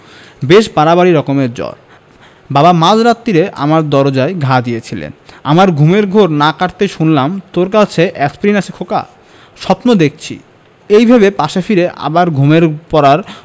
বেশ বাড়াবাড়ি রকমের জ্বর বাবা মাঝ রাত্তিরে আমার দরজায় ঘা দিয়েছিলেন আমার ঘুমের ঘোর না কাটতেই শুনলাম তোর কাছে এ্যাসপিরিন আছে খোকা স্বপ্ন দেখছি এই ভেবে পাশে ফিরে আবার ঘুমিয়ে পড়ার